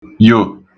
yò